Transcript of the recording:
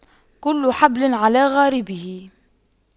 كل حبل على غاربه